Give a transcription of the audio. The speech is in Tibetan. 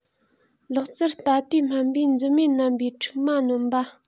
ལག རྩར ལྟ དུས སྨན པའི མཛུབ མོས ནད པའི མཁྲིག མ གནོན པ